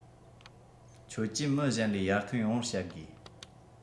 ཁྱོད ཀྱིས མི གཞན ལས ཡར ཐོན ཡོང བར བྱ དགོས